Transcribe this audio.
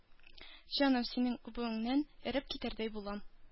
Җаным, синең үбүеңнән эреп китәрдәй булам.